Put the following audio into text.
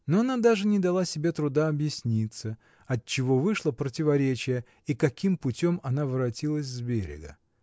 Но она даже не дала себе труда объясниться, отчего вышло противоречие и каким путем она воротилась с берега.